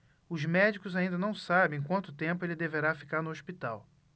os médicos ainda não sabem quanto tempo ele deverá ficar no hospital